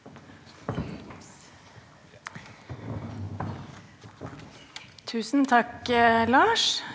tusen takk Lars.